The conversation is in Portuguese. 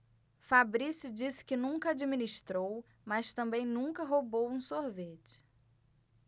fabrício disse que nunca administrou mas também nunca roubou um sorvete